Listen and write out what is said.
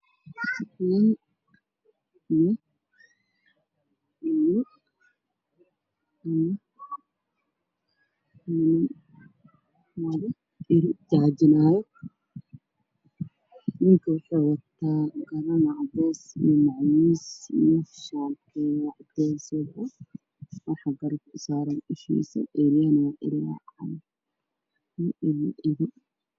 Nin ari wato oo wato kabo iyo macawis iyo shaar waxaan garabka usaaran ushiisa